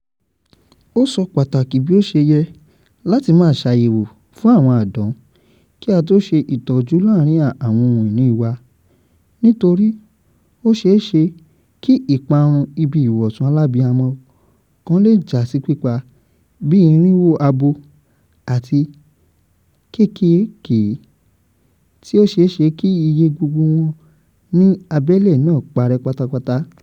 Ó sọ pàtàkì bí ó ṣe yẹ láti máa ṣàyẹ̀wò fún àwọn àdán kí a tó ṣe ìtọ́jú láarin àwọn ohun ìní wa nítorí ó ṣeéṣe kí ìparun ibi ìwọ̀sùn alábiamọ kan le jásí pípa bí 400 abo àti kékèké, tí ó ṣeéṣe kí iye gbogbo wọn ní abẹ́lé náà parẹ́ pátápátá.